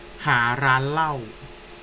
หาร้านเหล้า